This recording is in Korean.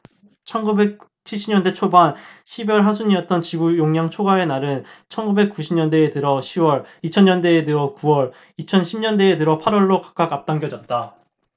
천 구백 칠십 년대 초반 십 이 월 하순이었던 지구 용량 초과의 날은 천 구백 구십 년대 들어 시 월 이천 년대 들어 구 월 이천 십 년대 들어 팔 월로 각각 앞당겨졌다